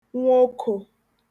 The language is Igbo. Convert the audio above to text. nwokō